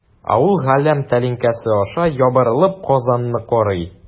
Авыл галәм тәлинкәсе аша ябырылып Казанны карый.